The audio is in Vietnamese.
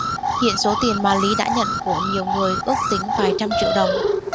hiện số tiền mà lý đã nhận của nhiều người ước tính vài trăm triệu đồng